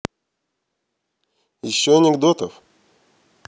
еще анекдотов